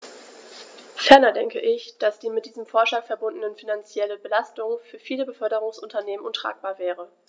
Ferner denke ich, dass die mit diesem Vorschlag verbundene finanzielle Belastung für viele Beförderungsunternehmen untragbar wäre.